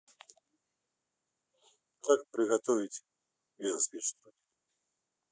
как приготовить венский штрудель